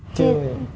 chưa